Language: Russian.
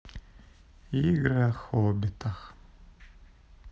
игры о хоббитах